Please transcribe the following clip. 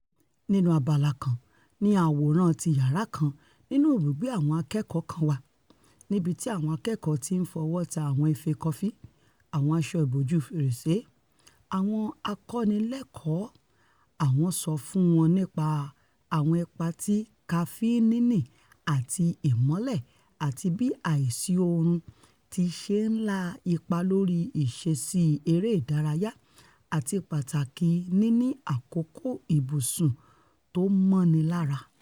nínú abala kan ni àwòrán tí yàrá kan nínú ibùgbé àwọn akẹ́kọ̀ọ́ kan wa, níbití àwọn akẹ́kọ̀ọ́ ti ńfọwọ́ ta àwọn ife kọfí, àwọn asọ ìbòju fèrèsé, àwọn akọ́nilẹ́kọ̀ọ́ àwọn sọ fún wọn nípa àwọn ipa ti kafínìnnì àti ìmọ́lẹ̀ àti bí àìsí oorun tiṣe nla ipa lórí ìṣeṣí eré ìdárayá, àti pàtàkì níní àkókó ibùsùn tómọ́nilára.